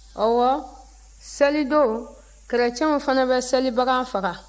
ɔwɔ selidon kerecɛnw fana bɛ selibagan faga